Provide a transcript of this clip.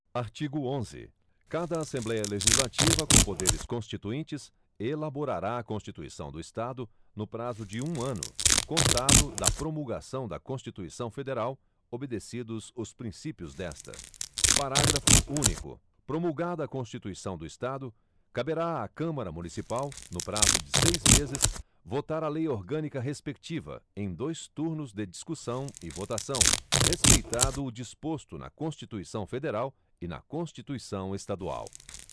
artigo onze cada assembléia legislativa com poderes constituintes elaborará a constituição do estado no prazo de um ano contado da promulgação da constituição federal obedecidos os princípios desta parágrafo único promulgada a constituição do estado caberá à câmara municipal no prazo de seis meses votar a lei orgânica respectiva em dois turnos de discussão e votação respeitado o disposto na constituição federal e na constituição estadual